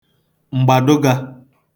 m̀gbàdụgā